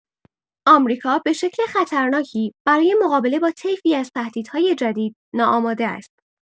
آمریکا به شکل خطرناکی برای مقابله با طیفی از تهدیدهای جدید ناآماده است.